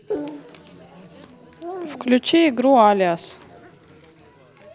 включи игру алиас